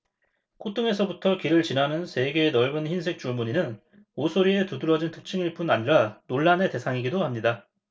콧등에서부터 귀를 지나는 세 개의 넓은 흰색 줄무늬는 오소리의 두드러진 특징일 뿐 아니라 논란의 대상이기도 합니다